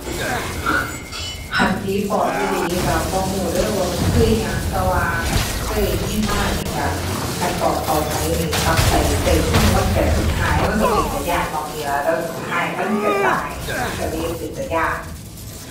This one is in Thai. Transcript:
คันผีปอบอีหลีก็บ่ก็เด้อว่ามันคืออิหยัง แต่ว่าคันเคยได้ยินมานี่ก็คันปอบเข้าไผนี่ตับไตไส้พุงมันก็สิหาย มันก็เป็นตาย้านหม้องนี้ล่ะ แล้วสุดท้ายมันก็ตาย มันก็เลยเป็นตาย้าน